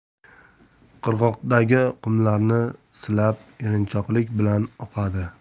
qirg'oqdagi qumlarni silab erinchoqlik bilan oqadi